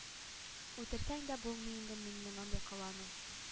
Үтерсәң дә булмый инде миннән андый кылану